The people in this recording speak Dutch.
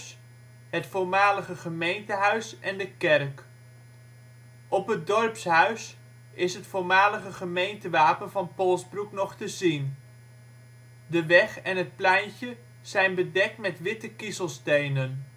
voormalige gemeentehuis en de kerk. Op het dorpshuis is het voormalige gemeentewapen van Polsbroek nog te zien. De weg en het pleintje zijn bedekt met witte kiezelstenen